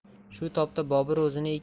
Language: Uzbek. shu topda bobur o'zini